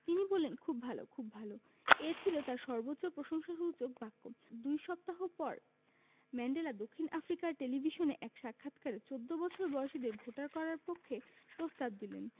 তিনি বললেন খুব ভালো খুব ভালো এ ছিল তাঁর সর্বোচ্চ প্রশংসাসূচক বাক্য দুই সপ্তাহ পর ম্যান্ডেলা দক্ষিণ আফ্রিকার টেলিভিশনে এক সাক্ষাৎকারে ১৪ বছর বয়সীদের ভোটার করার পক্ষে প্রস্তাব দিলেন